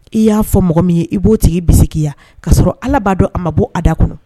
I y'a fɔ mɔgɔ min ye i b'o tigi bisimila yan ka'a sɔrɔ ala b'a dɔn a ma bɔ a da kɔnɔ